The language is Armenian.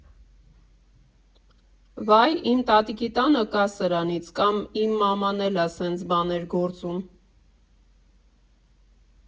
«Վա՜յ, իմ տատիկի տանը կա սրանից», կամ՝ «Իմ մաման էլ ա սենց բաներ գործում»։